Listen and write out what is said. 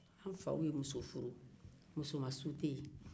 an faw ye muso furu muso ma sute yen